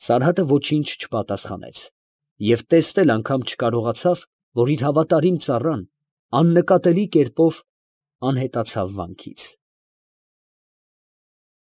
Սարհատը ոչինչ չպատասխանեց և տեսնել անգամ չկարողացավ, որ իր հավատարիմ ծառան աննկատելի կերպով անհետացավ վանքից…։